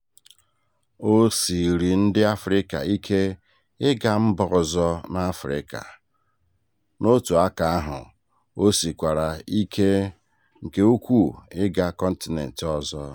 O siiri ndị Afrịka ike ịga mba ọzọ n'Afrịka — n'otu aka ahụ, o sịkwara ike nke ukwuu ịga kọntinent ọzọ.